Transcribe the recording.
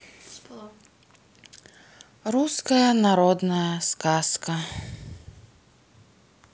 русская народная сказка